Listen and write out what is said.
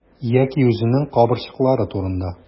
Яки үзенең кабырчрыклары турында.